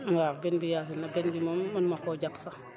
waaw benn bi yaasin la benn bi moom mënuma koo jàpp sax